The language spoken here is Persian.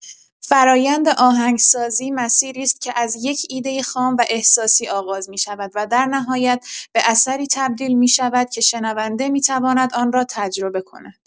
فرایند آهنگسازی مسیری است که از یک ایده خام و احساسی آغاز می‌شود و در نهایت به اثری تبدیل می‌شود که شنونده می‌تواند آن را تجربه کند.